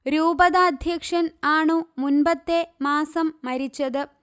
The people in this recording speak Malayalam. രൂപതാധ്യക്ഷൻ ആണു മുന്പത്തെ മാസം മരിച്ചത്